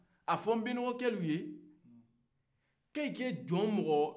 k'aw ka jɔn mɔgɔ lolu diyan